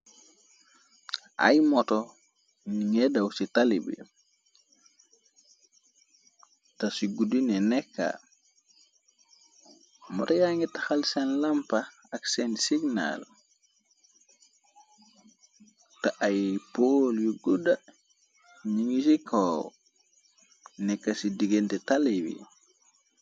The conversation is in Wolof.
Ay moto ni ngee daw ci tala bi ta ci guddine nekka. Motoya ngi taxal seen lampa ak seen signal. Te ay pool yu gudda ni ngi ci kaw nekk ci diggénte tala bi.